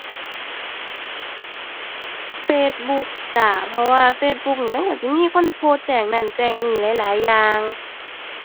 Facebook จ้า เพราะว่า Facebook นี่มันก็จิมีคนโพสต์แจ้งนั้นแจ้งนี้หลายหลายอย่าง